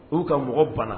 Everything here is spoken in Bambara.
U ka mɔgɔ bana